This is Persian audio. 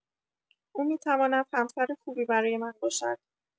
او می‌تواند همسر خوبی برای من باشد.